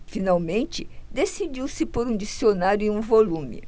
finalmente decidiu-se por um dicionário em um volume